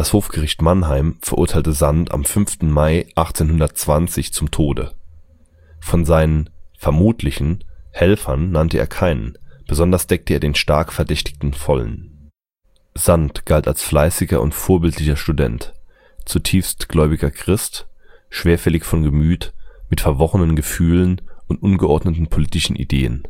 Hofgericht Mannheim verurteilte Sand am 5. Mai 1820 zum Tode. Von seinen – vermutlichen – Helfern nannte er keinen, besonders deckte er den stark verdächtigten Follen. Sand galt als fleißiger und vorbildlicher Student, zutiefst gläubiger Christ, schwerfällig von Gemüt, mit verworrenen Gefühlen und ungeordneten politischen Ideen